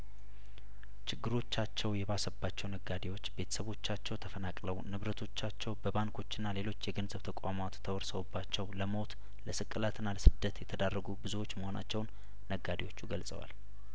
ችግሮቻቸው የባሰባቸው ነጋዴዎች ቤተሰቦቻቸው ተፈናቅለው ንብረቶቻቸው በባንኮችና ሌሎች የገንዘብ ተቋማት ተወርሰውባቸው ለሞት ለስቅላትና ለስደት የተዳረጉ ብዙዎች መሆናቸውን ነጋዴዎቹ ገልጸዋል